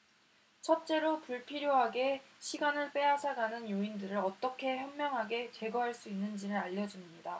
첫째로 불필요하게 시간을 빼앗아 가는 요인들을 어떻게 현명하게 제거할 수 있는지를 알려 줍니다